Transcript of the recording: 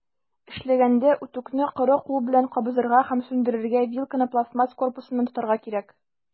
Эшләгәндә, үтүкне коры кул белән кабызырга һәм сүндерергә, вилканы пластмасс корпусыннан тотарга кирәк.